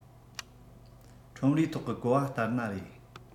ཁྲོམ རའི ཐོག གི གོ བ ལྟར ན རེད